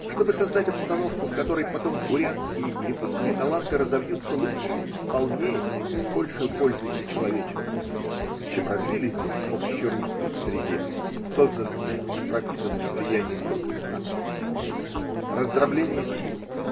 чтобы создать обстановку, в которой потом бурятские и якутские таланты разовьются лучше, полнее и с большею пользой для человечества, чем развились бы в общерусской среде, созданной и пропитанной влиянием других наций. Раздробление сил.